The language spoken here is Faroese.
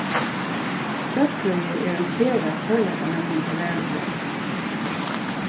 støddfrøði er ein sera førleikamennandi lærugrein